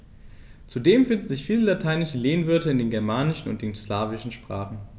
Zudem finden sich viele lateinische Lehnwörter in den germanischen und den slawischen Sprachen.